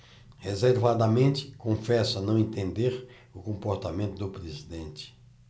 reservadamente confessa não entender o comportamento do presidente